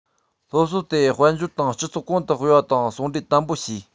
སློབ གསོ དེ དཔལ འབྱོར དང སྤྱི ཚོགས གོང དུ སྤེལ བ དང ཟུང འབྲེལ དམ པོ བྱས